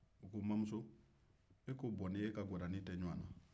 o ko mamuso e ko bɔ n'e ka gwadanin tɛ ɲɔgɔn na